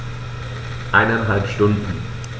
Eineinhalb Stunden